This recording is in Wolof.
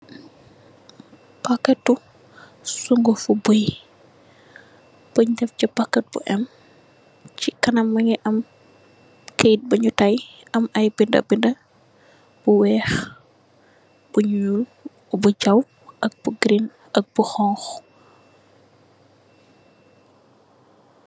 Paketu sugufu buy, buñ deff ĉi paket bu em, ĉi kanam mungi am kayit buñu tay, mu am ay binda binda yu weex, bu ñul, bu jaw, ak bu girin ak bu xonxu .